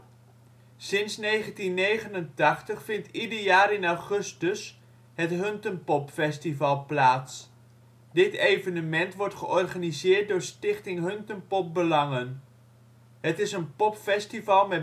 Sinds 1989 vindt ieder jaar in augustus het Huntenpop Festival plaats. Dit evenement wordt georganiseerd door Stichting Huntenpop Belangen. Het is een popfestival